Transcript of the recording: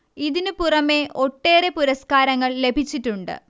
ഇതിനു പുറമെ ഒട്ടേറെ പുരസ്കാരങ്ങൾ ലഭിച്ചിട്ടുണ്ട്